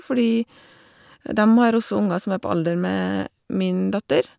Fordi dem har også unger som er på alder med min datter.